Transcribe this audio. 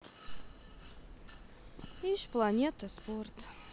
иж планета спорт